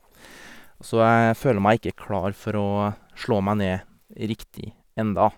Så jeg føler meg ikke klar for å slå meg ned riktig enda.